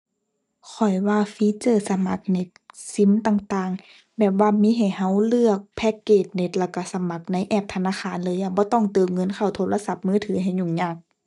ข้อยว่าฟีเจอร์สมัครเน็ต ซิมต่างต่างแบบว่ามีให้เราเลือกแพ็กเกจเน็ต แล้วเราสมัครในแอปธนาคารเลยอะ บ่ต้องเติมเงินเข้าโทรศัพท์มือถือให้ยุ่งยาก